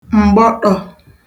m̀gbọtọ̄